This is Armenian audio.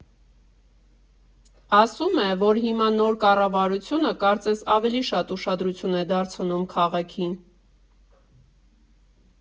Ասում է, որ հիմա նոր կառավարութունը, կարծես, ավելի շատ ուշադություն է դարձնում քաղաքին։